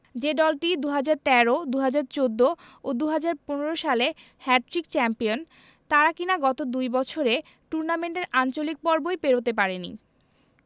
যে দলটি ২০১৩ ২০১৪ ও ২০১৫ সালে হ্যাটট্রিক চ্যাম্পিয়ন তারা কিনা গত দুই বছরে টুর্নামেন্টের আঞ্চলিক পর্বই পেরোতে পারেনি